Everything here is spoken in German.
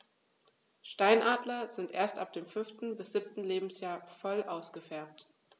Steinadler sind erst ab dem 5. bis 7. Lebensjahr voll ausgefärbt.